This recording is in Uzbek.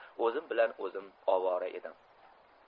o'zim bilan o'zim ovora edim